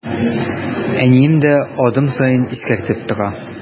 Әнием дә адым саен искәртеп тора.